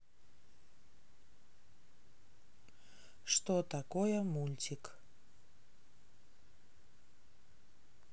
что такое мультик